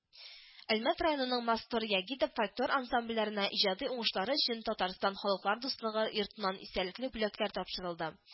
Әлмәт районының Мастор Ягида фольклор ансамбльләренә иҗади уңышлары өчен Татарстан Халыклар дуслыгы йортыннан истәлекле бүләкләр тапшырылды